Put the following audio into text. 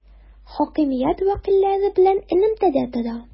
Хакимият вәкилләре белән элемтәдә тора.